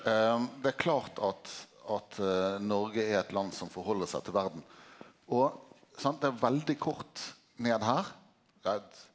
det er klart at at Noreg er eit land som forheld seg til verda og sant det er veldig kort ned her rett.